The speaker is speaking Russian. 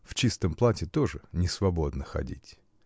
в чистом платье тоже несвободно ходить.